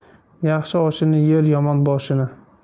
yaxshi oshini yer yomon boshini